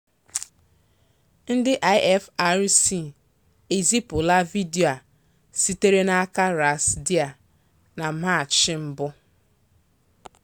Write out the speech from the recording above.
Ndị IFRC ezipụla vidiyo a sitere n'aka Ras Jdir na Maachị 1.